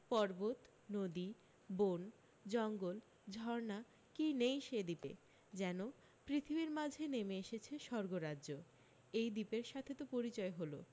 পর্বত নদী বন জঙ্গল ঝরণা কী নেই সে দ্বীপে যেন পৃথিবীর মাঝে নেমে এসেছে স্বর্গরাজ্য এই দ্বীপের সাথে তো পরিচয় হল